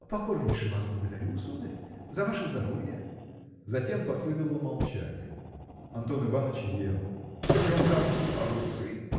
– Покорнейше вас благодарю, сударь! за ваше здоровье! Затем последовало молчание. Антон Иваныч ел. – Почем там огурцы?